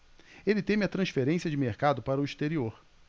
ele teme a transferência de mercado para o exterior